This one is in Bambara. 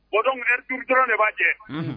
O dɔn dugu dɔrɔn de b'a jɛ